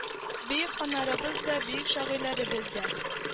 Бөек ханнарыбыз да бөек шагыйрьләребез дә